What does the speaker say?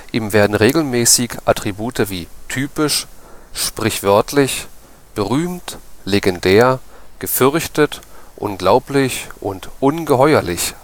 Ihm werden regelmäßig Attribute wie „ typisch “,„ sprichwörtlich “,„ berühmt “,„ legendär “,„ gefürchtet “,„ unglaublich “und „ ungeheuerlich